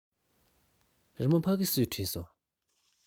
རི མོ ཕ གི སུས བྲིས སོང